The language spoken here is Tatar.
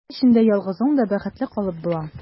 Хыял эчендә ялгызың да бәхетле калып була.